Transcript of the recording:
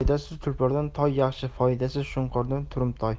foydasiz tulpordan toy yaxshi foydasiz shunqordan turumtoy